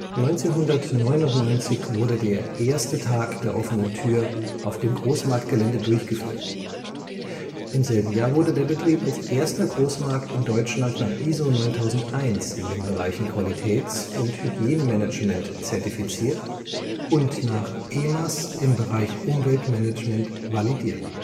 1999 wurde der erste „ Tag der offenen Tür “auf dem Großmarktgelände durchgeführt. Im selben Jahr wurde der Betrieb als erster Großmarkt in Deutschland nach ISO 9001 in den Bereichen Qualitäts - und Hygienemanagement zertifiziert und nach EMAS im Bereich Umweltmanagement validiert